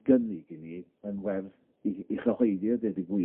###gynnig i ni yn werth 'i 'i chyhoeddi a deud y gwir.